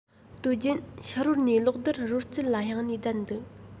དུས རྒྱུན ཕྱི རོལ ནས གློག རྡུལ རོལ རྩེད ལ གཡེང ནས བསྡད འདུག